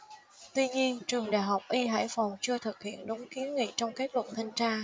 tuy nhiên trường đại học y hải phòng chưa thực hiện đúng kiến nghị trong kết luận thanh tra